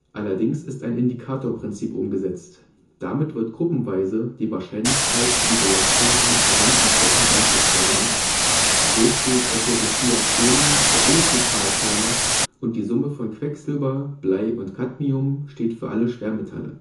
Allerdings ist ein Indikatorprinzip umgesetzt, damit wird gruppenweise die Wahrscheinlichkeit für die Belastung mit verwandten Stoffen einschätzbar gemacht, so steht Escherichia coli (E. coli) für alle Fäkalkeime und die Summe von Quecksilber, Blei und Cadmium steht für alle Schwermetalle